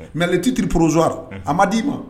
Mɛli titiriurporozo a ma d'i ma